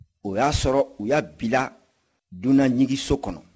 o y'a sɔrɔ u y'a bila dunanjiginso kɔnɔ